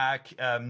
ac yym